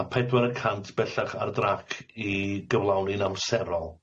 a pedwar y cant bellach ar drac i gyflawni'n amserol.